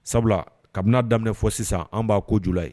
Sabula kabin'a daminɛ fo sisan an b'a ko jula ye